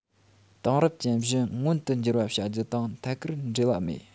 དེང རབས ཅན བཞི མངོན དུ འགྱུར བ བྱ རྒྱུ དང ཐད ཀར འབྲེལ བ མེད